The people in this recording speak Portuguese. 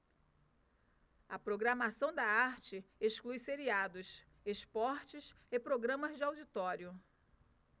a programação da arte exclui seriados esportes e programas de auditório